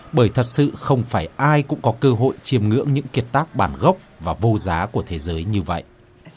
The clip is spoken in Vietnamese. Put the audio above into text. bởi thật sự không phải ai cũng có cơ hội chiêm ngưỡng những kiệt tác bản gốc và vô giá của thế giới như vậy